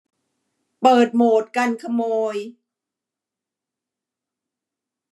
เปิดโหมดกันขโมย